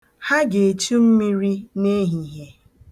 Ha ga-echu mmiri n'ehihie.